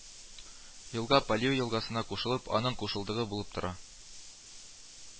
Елга Палью елгасына кушылып, аның кушылдыгы булып тора